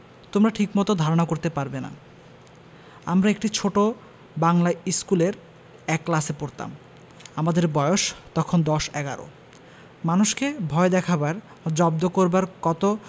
তোমরা ঠিকমত ধারণা করতে পারবে না আমরা একটি ছোট বাঙলা ইস্কুলের এক ক্লাসে পড়তাম আমাদের বয়স তখন দশ এগারো মানুষকে ভয় দেখাবার জব্দ করবার কত